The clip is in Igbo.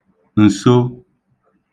ǹso